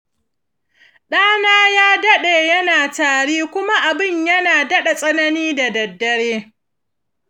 ɗana ya daɗe yana tari kuma abin yana daɗa tsananta da daddare.